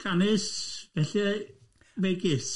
Canis, felly megis.